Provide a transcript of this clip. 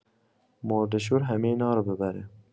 مرده‌شور همه اینارو ببره.